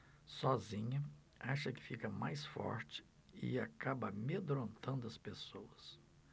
sozinha acha que fica mais forte e acaba amedrontando as pessoas